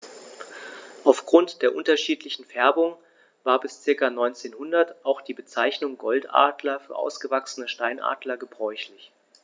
Auf Grund der unterschiedlichen Färbung war bis ca. 1900 auch die Bezeichnung Goldadler für ausgewachsene Steinadler gebräuchlich.